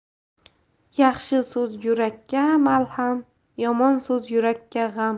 yaxshi so'z yurakka malham yomon so'z yurakka g'am